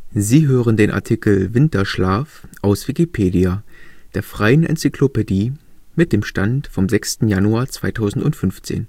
Sie hören den Artikel Winterschlaf, aus Wikipedia, der freien Enzyklopädie. Mit dem Stand vom Der